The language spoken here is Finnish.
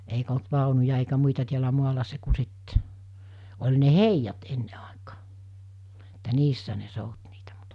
eikä ollut vaunuja eikä muita täällä maalla se kun sitten oli ne heijat ennen aikana että niissä ne souti niitä mutta